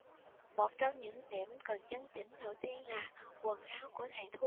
một trong những điểm cần chấn chỉnh đầu tiên là quần áo của thầy thuốc